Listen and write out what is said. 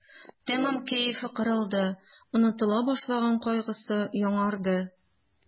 Тәмам кәефе кырылды, онытыла башлаган кайгысы яңарды.